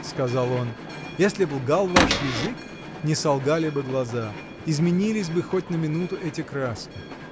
— сказал он, — если б лгал ваш язык, не солгали бы глаза, изменились бы хоть на минуту эти краски.